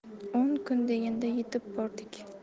o'n kun deganda yetib bordik